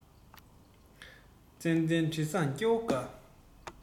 ཙན དན དྲི བཟང སྐྱེ བོ དགའ